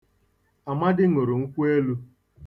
Amadị ṅụrụ nkwụelu.